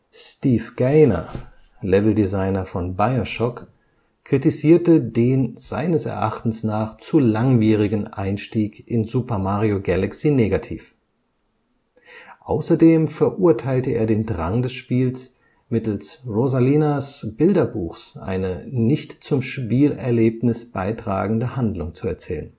Steve Gaynor, Leveldesigner von BioShock (PlayStation 3, Xbox 360, 2007), kritisierte den seines Erachtens nach zu langwierigen Einstieg in Super Mario Galaxy negativ. Außerdem verurteilte er den Drang des Spiels, mittels „ Rosalinas Bilderbuches “eine nicht zum Spielerlebnis beitragende Handlung zu erzählen